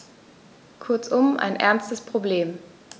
Kurzum, ein ernstes Problem.